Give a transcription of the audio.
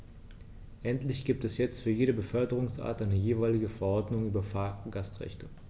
Endlich gibt es jetzt für jede Beförderungsart eine jeweilige Verordnung über Fahrgastrechte.